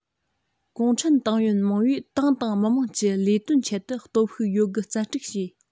གུང ཁྲན ཏང ཡོན མང པོས ཏང དང མི དམངས ཀྱི ལས དོན ཆེད དུ སྟོབས ཤུགས ཡོད དགུ རྩལ སྤྲུགས བྱས